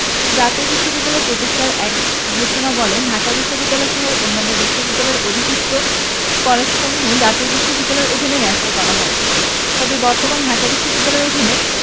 জাতীয় বিশ্ববিদ্যালয় প্রতিষ্ঠার এক ঘোষণাবলে ঢাকা বিশ্ববিদ্যালয়সহ অন্যান্য বিশ্ববিদ্যালয়ের অধিভুক্ত কলেজসমূহ জাতীয় বিশ্ববিদ্যালয়ের অধীনে ন্যস্ত করা হয় তবে বর্তমানে ঢাকা বিশ্ববিদ্যালয়ের অধীনে